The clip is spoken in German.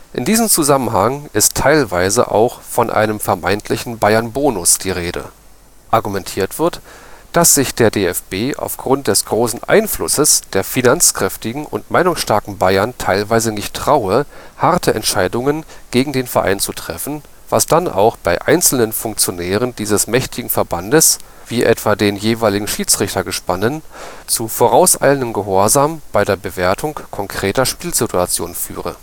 In diesem Zusammenhang ist teilweise auch von einem vermeintlichen Bayernbonus die Rede. Argumentiert wird, dass sich der DFB aufgrund des großen Einflusses der finanzkräftigen und meinungsstarken Bayern teilweise nicht traue, harte Entscheidungen gegen den Verein zu treffen, was dann auch bei einzelnen Funktionären dieses mächtigen Verbandes – wie etwa den jeweiligen Schiedsrichtergespannen – zu vorauseilendem Gehorsam bei der Bewertung konkreter Spielsituationen führe